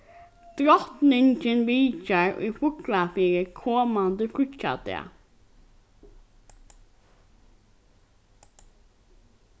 drotningin vitjar í fuglafirði komandi fríggjadag